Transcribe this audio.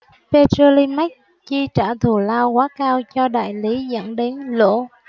petrolimex chi trả thù lao quá cao cho đại lý dẫn đến lỗ